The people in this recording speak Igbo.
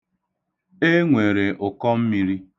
E nwere ụkọmmiri.